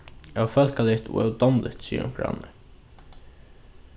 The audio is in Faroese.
ófólkaligt og ódámligt sigur onkur annar